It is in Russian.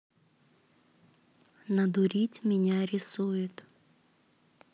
надурить меня рисует